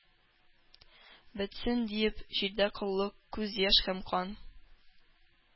«бетсен,— диеп,— җирдә коллык, күз-яшь һәм кан!»